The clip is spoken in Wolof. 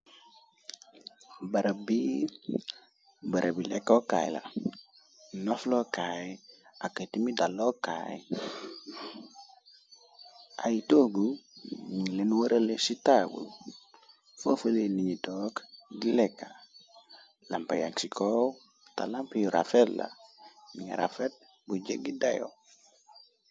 barab yi lekkookaay la noflookaay aka timi dalookaay ay toogu ñu leen warale ci taawul foofalee nañu took di lekka lampa yag ci koow ta lamp yu rafet la ñi rafet bu jeggi dayo